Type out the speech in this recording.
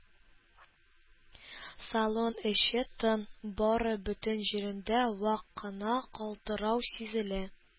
Салон эче тын, бары бөтен җирендә вак кына калтырау сизелә